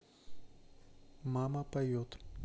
мама поет